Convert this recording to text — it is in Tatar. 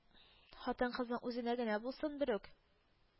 Хатын-кызның үзенә генә булсак берүк